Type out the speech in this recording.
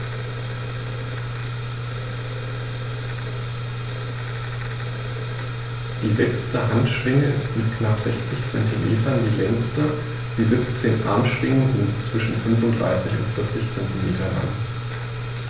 Die sechste Handschwinge ist mit knapp 60 cm die längste. Die 17 Armschwingen sind zwischen 35 und 40 cm lang.